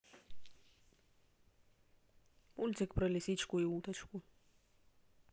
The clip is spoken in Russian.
мультик про лисичку и уточку